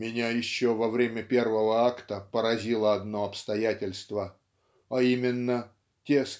"меня еще во время первого акта поразило одно обстоятельство а именно те